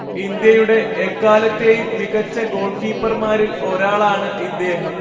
ഇന്ത്യയുടെ എക്കാലത്തെയും മികച്ച ഗോൾ കീപ്പർമാരിൽ ഒരാളാണ് ഇദ്ദേഹം